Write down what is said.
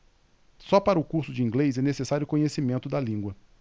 só para o curso de inglês é necessário conhecimento da língua